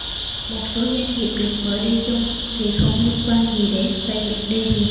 một số doanh nghiệp được mời đi chung thì không liên quan gì đến xây dựng đê điều